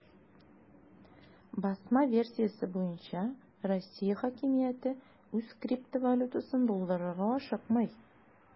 Басма версиясе буенча, Россия хакимияте үз криптовалютасын булдырырга ашыкмый.